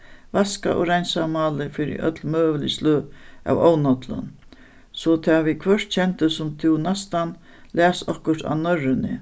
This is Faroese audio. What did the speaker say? vaskað og reinsað málið fyri øll møgulig sløg av ónollum so tað viðhvørt kendist sum tú næstan las okkurt á norrønu